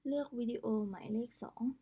เลือกวิดีโอหมายเลขสอง